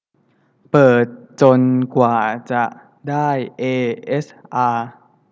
เปิดจนกว่าจะได้เอเอสอา